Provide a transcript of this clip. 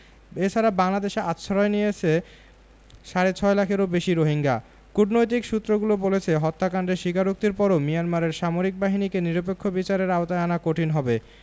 এ ছাড়া বাংলাদেশে আশ্রয় নিয়েছে সাড়ে ছয় লাখেরও বেশি রোহিঙ্গা কূটনৈতিক সূত্রগুলো বলছে হত্যাকাণ্ডের স্বীকারোক্তির পরও মিয়ানমারের সামরিক বাহিনীকে নিরপেক্ষ বিচারের আওতায় আনা কঠিন হবে